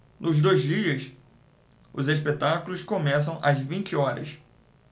nos dois dias os espetáculos começam às vinte horas